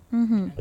Unhun